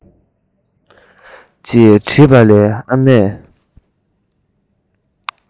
ཅེས དྲིས པ ལ ཨ མས